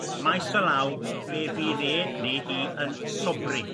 maes o law fe fydd e neu hi yn sobri.